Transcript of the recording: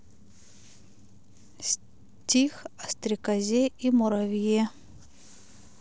стих о стрекозе и муравье